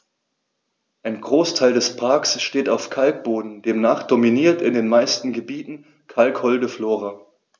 Ein Großteil des Parks steht auf Kalkboden, demnach dominiert in den meisten Gebieten kalkholde Flora.